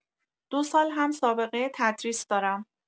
۲ سال هم سابقه تدریس دارم.